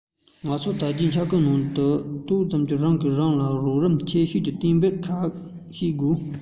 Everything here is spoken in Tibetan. ང ཚོའི དར རྒྱས གཏོང བའི འཆར འགོད ནང དུ ཏོག ཙམ ནས རང གིས རང ལ རོགས རམ ཆེ ཤོས ཀྱི གཏན འབེབས འགའ ཤས ཡོད